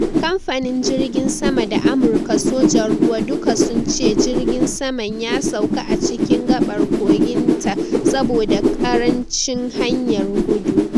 Kamfanin jirgin sama da Amurka Sojan ruwa duka sun ce jirgin saman ya sauka a cikin gabar kogin ta saboda karancin hanyar gudu.